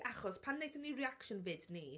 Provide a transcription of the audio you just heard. achos pan wnaethon ni reaction vid ni...